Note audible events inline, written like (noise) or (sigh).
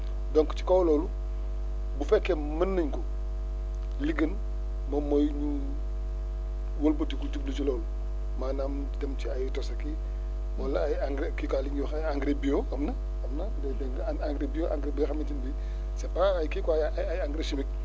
donc ci kaw loolu bu fekkee mën nañ ko li gën moom mooy ñu wëlbatiku jublu ci loolu maanaam di dem ci ay tos ak i wala ay engrais kii quoi li ñuy wax ay engrais bio am na am na day béy nga engrais bio engrais bi nga xamante ne bii (breath) c' est pas ay kii quoi ay engrais chimique